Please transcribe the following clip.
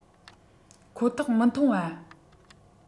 ཁོ ཐག མི འཐུང བ